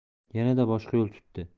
yanada boshqa yo'l tutdi